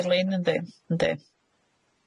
Elin yndi yndi.